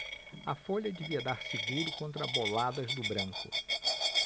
a folha devia dar seguro contra boladas do branco